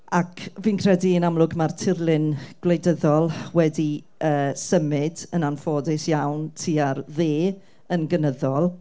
Ac fi'n credu, yn amlwg, ma'r tirlun gwleidyddol wedi yy symud yn anffodus iawn tua'r dde yn gynyddol.